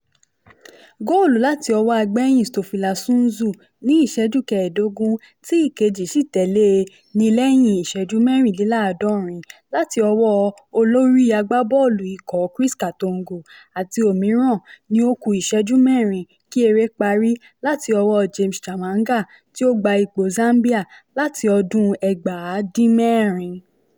Góòlù láti ọwọ́ agbéyìn Stopilla Sunzu ni ìṣẹ́jú kẹẹ̀dógún, tí ìkejì sì tẹ̀lé e ní lẹ́yìn ìṣẹ́jú mẹ́rìndínláàdọ́rin láti ọwọ́ olorí agbábọ́ọ̀lù ikọ̀ Chris Katongo àti òmíràn ní ó kú ìṣẹ́jú mẹ́rin kí eré parí láti ọwọ́ James Chamanga, tí ó gba ipò Zambia láti ọdún 1996.